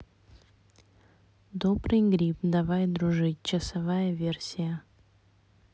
добрый гриб давай дружить часовая версия